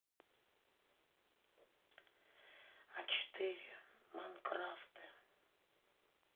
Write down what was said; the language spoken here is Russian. а четыре майнкрафте